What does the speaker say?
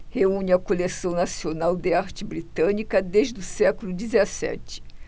reúne a coleção nacional de arte britânica desde o século dezessete